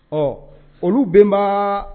Ɔ olubenba